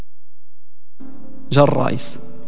جرايس